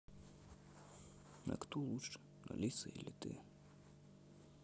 а кто лучше алиса или ты